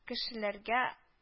Кешеләргә